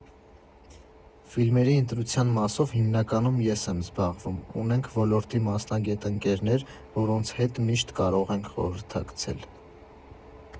Ֆիլմերի ընտրության մասով հիմնականում ես եմ զբաղվում, ունենք ոլորտի մասնագետ ընկերներ, որոնց հետ միշտ կարող ենք խորհրդակցել։